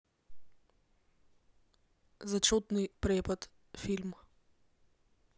зачетный препод фильм